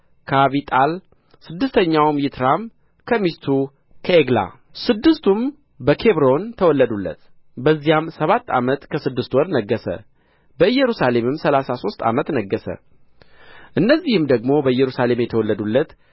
ከአቢጣል ስድስተኛው ይትረኃም ከሚስቱ ከዔግላ ስድስቱ በኬብሮን ተወለዱለት በዚያም ሰባት ዓመት ከስድስት ወር ነገሠ በኢየሩሳሌምም ሠላሳ ሦስት ዓመት ነገሠ እነዚህ ደግሞ በኢየሩሳሌም ተወለዱለት